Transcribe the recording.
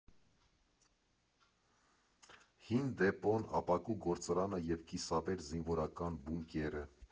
Հին դեպոն, ապակու գործարանը և կիսավեր զինվորական բունկերը.